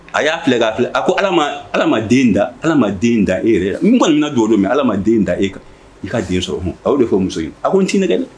A y'a filɛ k'a filɛ a ko ala den da ala den da e yɛrɛ min kɔni na don min ala ma den da e kan i ka den sɔrɔ h aw de fɔ muso ye a ko n ti ne kɛ dɛ